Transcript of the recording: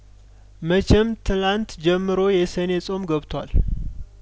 መቼም ትላንት ጀምሮ የሰኔ ጾም ገብቷል